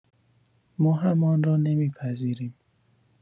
ما هم آن را نمی‌پذیریم.